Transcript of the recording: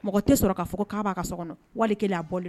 Mɔgɔ tɛ sɔrɔ k'a fɔ k'a'a ka so kɔnɔ wali a bɔ